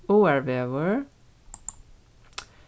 áarvegur